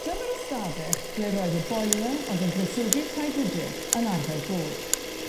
Dyma'r ystafell ble roedd y boiler o'dd yn gwresogi'r tai gwydyr yn arfer bod.